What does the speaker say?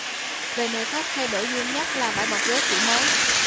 về nội thất thay đổi duy nhất là vải bọc ghế kiểu mới